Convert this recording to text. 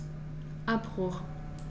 Abbruch.